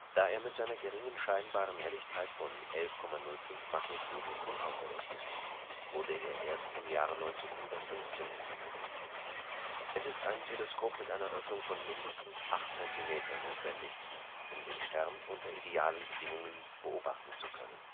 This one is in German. Da er mit seiner geringen scheinbaren Helligkeit von 11,05 Magnituden unauffällig ist, wurde er erst im Jahr 1915 entdeckt. Es ist ein Teleskop mit einer Öffnung von mindestens 8 cm notwendig, um den Stern unter idealen Bedingungen beobachten zu können